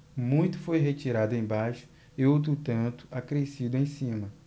muito foi retirado embaixo e outro tanto acrescido em cima